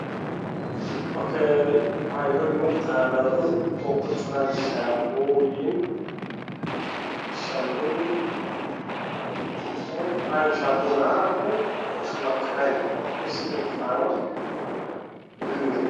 Qaanado oo kujiraan shaambooyin midabkiisa waa guduud